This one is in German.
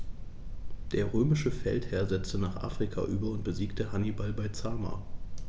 Der römische Feldherr setzte nach Afrika über und besiegte Hannibal bei Zama.